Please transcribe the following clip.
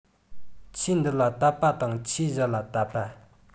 ཆོས འདི ལ དད པ དང ཆོས གཞན ལ དད པ